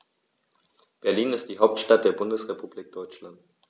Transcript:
Berlin ist die Hauptstadt der Bundesrepublik Deutschland.